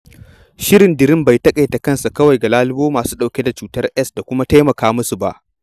Shirin DREAM bai taƙaita kansa kawai ga lalubo masu ɗauke da cutar Es da kuma taimaka musu ba.